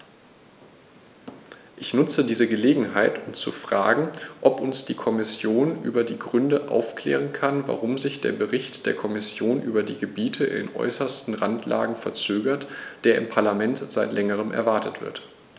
Ich nutze diese Gelegenheit, um zu fragen, ob uns die Kommission über die Gründe aufklären kann, warum sich der Bericht der Kommission über die Gebiete in äußerster Randlage verzögert, der im Parlament seit längerem erwartet wird.